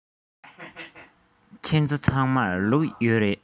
ཁྱེད ཚོ ཚང མར ལུག ཡོད རེད